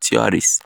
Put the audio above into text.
theories'